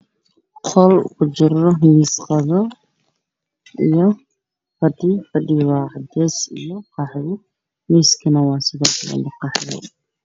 Waa qol waxaa kujiro miis qado iyo fadhi cadeys iyo qaxwi, miiskana waa qaxwi.